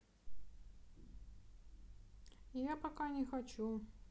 я пока не хочу